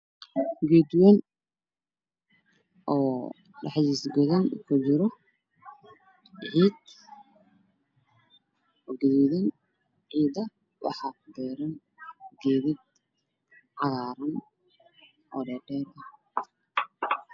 Waa wareegman oo dhexdiisa god camal ah waxaa kujiro ciid gaduudan waxaa kuxeeran geedo cagaaran oo dhaadheer.